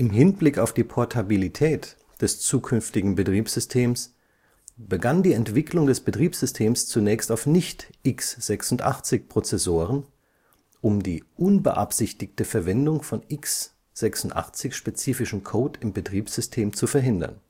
Hinblick auf die Portabilität des zukünftigen Betriebssystems begann die Entwicklung des Betriebssystems zunächst auf Nicht-x86-Prozessoren, um die unbeabsichtigte Verwendung von x86-spezifischem Code im Betriebssystem zu verhindern